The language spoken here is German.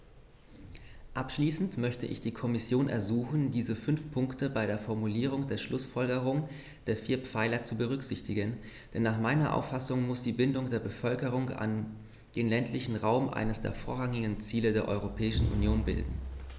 Abschließend möchte ich die Kommission ersuchen, diese fünf Punkte bei der Formulierung der Schlußfolgerungen der vier Pfeiler zu berücksichtigen, denn nach meiner Auffassung muss die Bindung der Bevölkerung an den ländlichen Raum eines der vorrangigen Ziele der Europäischen Union bilden.